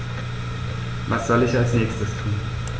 Was soll ich als Nächstes tun?